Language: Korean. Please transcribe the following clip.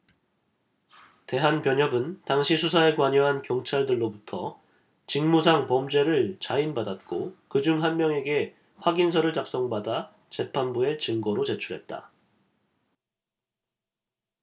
대한변협은 당시 수사에 관여한 경찰들로부터 직무상범죄를 자인받았고 그 중 한 명에게 확인서를 작성받아 재판부에 증거로 제출했다